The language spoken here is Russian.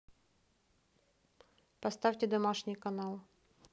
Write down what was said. поставьте домашний канал